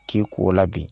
K'i k'o la bi